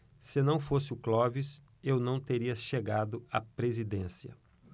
se não fosse o clóvis eu não teria chegado à presidência